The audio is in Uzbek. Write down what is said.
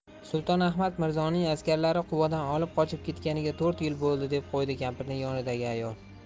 sulton ahmad mirzoning askarlari quvadan olib qochib ketganiga to'rt yil bo'ldi deb qo'ydi kampirning yonidagi ayol